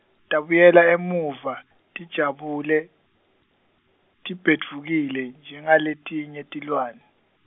Tabuyela emuva, tijabule, tibhedvukile, njengaletinye tilwane.